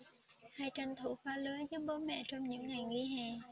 hay tranh thủ vá lưới giúp bố mẹ trong những ngày nghỉ hè